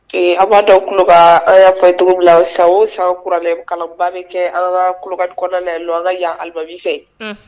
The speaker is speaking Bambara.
Ee a' b'a dɔn an y'a fɔ aw ye cogo min na san o san kuranɛkalanba bɛ kɛ an ka Kolokani kɔnɔna na yan an ka yan alimami fɛ, unhun